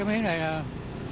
máy này á